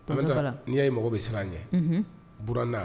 n'i y'a ye mɔgɔw bɛ siran an ɲɛ buranna